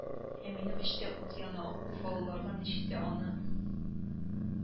Ә минем эчтә ут яна, уфалыларга ничек тә аны